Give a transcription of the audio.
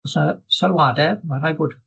O's 'na sylwade ma' rhaid bod